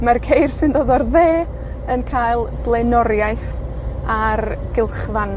ma'r ceir sy'n dod ar dde yn cael blaenoriaeth, a'r gylchfan.